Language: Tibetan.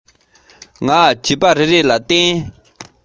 ད ལྟ ཡང སྔོ ལྗང ལྗང དུ ཡོད པ མཐོང